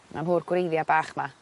gwreiddia' bach 'ma